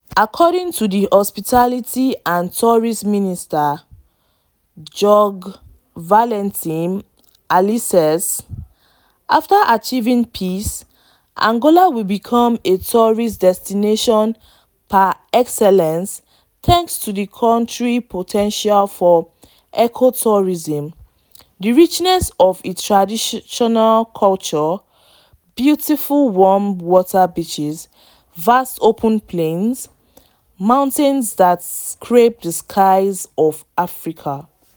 According to the Hospitality and Tourism Minister, Jorge Valentim Alicerces, “after achieving peace, Angola will become a tourist destination par excellence thanks to the country’s potential for eco-tourism, the richness of its traditional culture, beautiful warm water beaches, vast open plains, mountains that scrape the skies of Africa.